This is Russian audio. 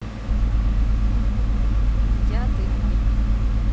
я ты мой